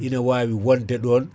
ina wawi wonde ɗon